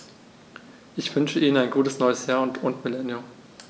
Ich wünsche Ihnen ein gutes neues Jahr und Millennium.